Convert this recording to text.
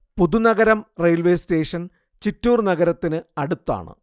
Puthunagaram railway station Chittur നഗരത്തിന് അടുത്താണ്